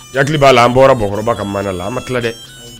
B'a la an bɔra bamakɔkɔrɔba ka ma la an ka tila dɛ